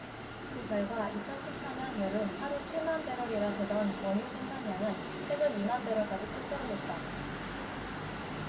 그 결과 이천 십 사 년 여름 하루 칠 만 배럴이나 되던 원유 생산량은 최근 이 만 배럴까지 뚝 떨어졌다